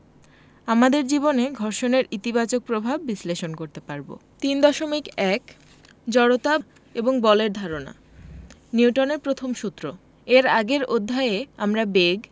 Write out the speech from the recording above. আমাদের জীবনে ঘর্ষণের ইতিবাচক প্রভাব বিশ্লেষণ করতে পারব 3.1 জড়তা এবং বলের ধারণা নিউটনের প্রথম সূত্র এর আগের অধ্যায়ে আমরা বেগ